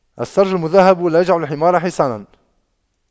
السَّرْج المُذهَّب لا يجعلُ الحمار حصاناً